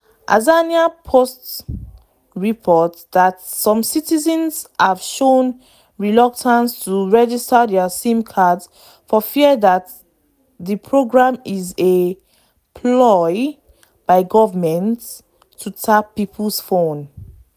Azania Post reports that some citizens have shown reluctance to register their SIM cards for fear that the program is “a ploy by the government to tap people’s phones.”